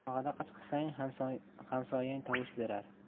qorong'ida qichqirsang hamsoyang tovush berar